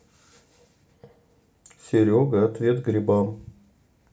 серега ответ грибам